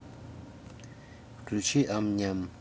включить амням